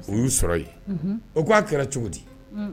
O y'u sɔrɔ yen o k ko a kɛra cogo di